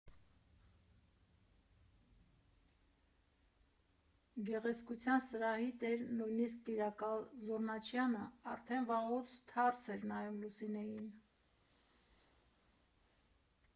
Գեղեցկության սրահի տեր (նույնիսկ՝ տիրակալ) Զուռնաչյանը արդեն վաղուց թարս էր նայում Լուսինեին։